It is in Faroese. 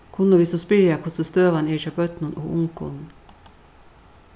kunnu vit so spyrja hvussu støðan er hjá børnum og ungum